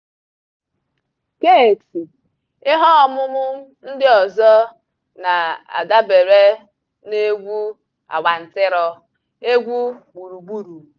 Keyti ​​: Ihe omume m ndị ọzọ na-adabere n'egwu awantịrọ, egwu gburugburu.